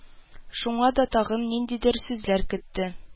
Шуңа да тагын ниндидер сүзләр көтте